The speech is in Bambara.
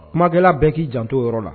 Kumakɛla bɛn k'i janto yɔrɔ la